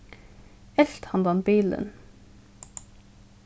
elt handan bilin